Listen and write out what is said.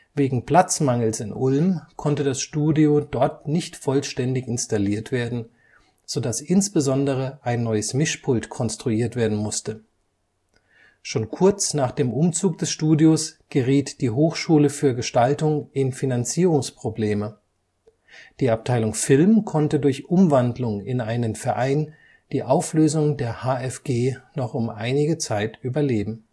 Wegen Platzmangels in Ulm konnte das Studio dort nicht vollständig installiert werden, so dass insbesondere ein neues Mischpult konstruiert werden musste. Schon kurz nach dem Umzug des Studios geriet die Hochschule für Gestaltung in Finanzierungsprobleme, die Abteilung Film konnte durch Umwandlung in einen Verein die Auflösung der HfG noch um einige Zeit überleben